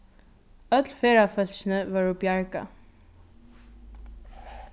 øll ferðafólkini vóru bjargað